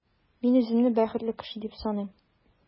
Мин үземне бәхетле кеше дип саныйм.